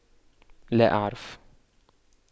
لا أعرف